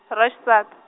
ra xisat-.